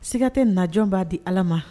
Siga tɛ naj b'a di ala ma